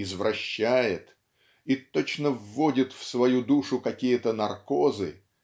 извращает и точно вводит в свою душу какие-то наркозы